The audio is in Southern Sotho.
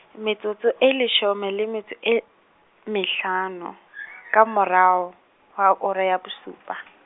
metsotso e leshome le metso e, mehlano, ka morao, ha ora ya bosupa.